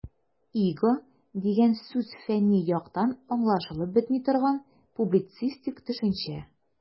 "иго" дигән сүз фәнни яктан аңлашылып бетми торган, публицистик төшенчә.